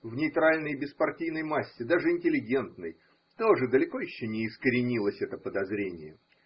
В нейтральной, беспартийной массе, даже интеллигентной, тоже далеко еще не искоренилось это подозрение.